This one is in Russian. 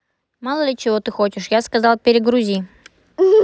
мало ли чего ты хочешь я сказал перегрузи